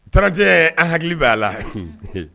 Tɔɔrɔtɛ a hakili b bɛ' a la